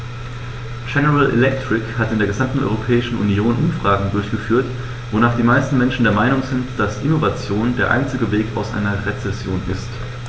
General Electric hat in der gesamten Europäischen Union Umfragen durchgeführt, wonach die meisten Menschen der Meinung sind, dass Innovation der einzige Weg aus einer Rezession ist.